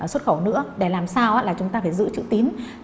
xuất khẩu nữa để làm sao chúng ta phải giữ chữ tín